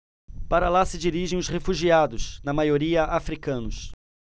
para lá se dirigem os refugiados na maioria hútus